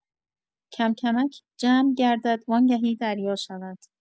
کم‌کمک جمع گردد وانگهی دریا شود